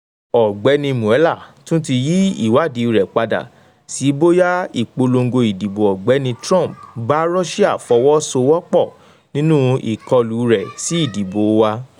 Ọ̀gbẹ́ni Mueller tún ti yí ìwádìí rẹ̀ padà sí bóyá Ìpolongo ìdìbò Ọ̀gbẹ́ni Trump bá Russia fọwọ́ sowọ́ pọ̀ nínú ìkọlù rẹ̀ sí ìdìbò wa.